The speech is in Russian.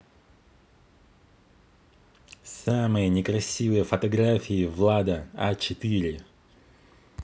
самые некрасивые фотографии влада а четыре